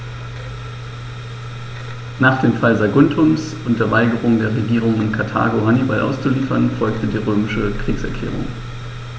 Nach dem Fall Saguntums und der Weigerung der Regierung in Karthago, Hannibal auszuliefern, folgte die römische Kriegserklärung.